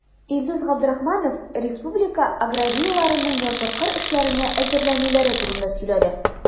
Илдус Габдрахманов республика аграрийларының язгы кыр эшләренә әзерләнүләре турында сөйләде.